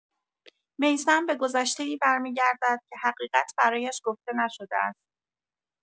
میثم به گذشته‌ای برمی‌گردد که حقیقت برایش گفته نشده است.